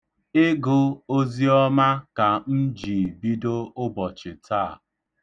Ịgụ oziọma ka m ji bido ụbọchị taa.